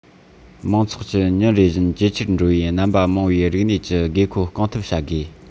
མང ཚོགས ཀྱི ཉིན རེ བཞིན ཇེ ཆེར འགྲོ བའི རྣམ པ མང བའི རིག གནས ཀྱི དགོས མཁོ སྐོང ཐབས བྱ དགོས